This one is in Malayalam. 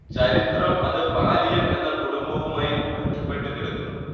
ചരിത്രം അത് പാലിയം എന്ന കുടുംബവുമായി ബന്ധപ്പെട്ടു കിടക്കുന്നു